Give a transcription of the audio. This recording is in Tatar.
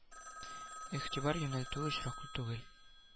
Игътибар юнәлтүе очраклы түгел